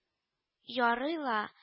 Ярый ла